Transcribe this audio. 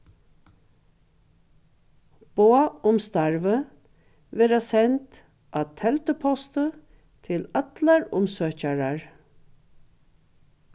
boð um starvið verða send á telduposti til allar umsøkjarar